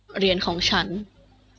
เหรียญของฉัน